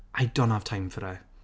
I don't have time for it.